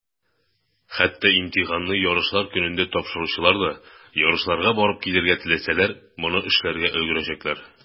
Хәтта имтиханны ярышлар көнендә тапшыручылар да, ярышларга барып килергә теләсәләр, моны эшләргә өлгерәчәкләр.